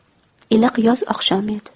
iliq yoz oqshomi edi